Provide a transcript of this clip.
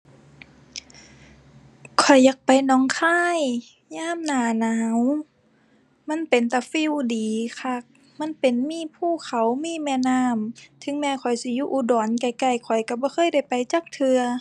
ข้อยอยากไปหนองคายยามหน้าหนาว มันเป็นตาฟีลดีคัก มันเป็นมีภูเขา มีแม่น้ำ ถึงแม้ข้อยสิอยู่อุดรใกล้ใกล้ข้อยก็บ่เคยได้ไปจักเทื่อ